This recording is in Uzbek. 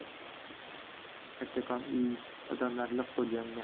kattakon uy odamlar liq to'lgan